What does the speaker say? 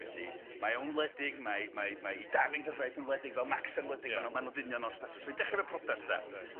Felly mae o'n wledig, mae, mae, mae 'i dad yn nghyfraith yn wledig, fel Maxen wledig ma' nw ma' nhw'n ddynion o statws, weyn dechre 'da prodas de. Reit.